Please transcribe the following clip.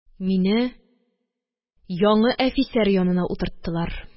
Мине яңы әфисәр янына утырттылар.